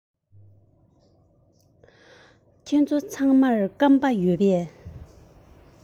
ཁྱེད ཚོ ཚང མར སྐམ པ ཡོད པས